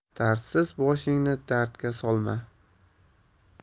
dardsiz boshingni dardga solma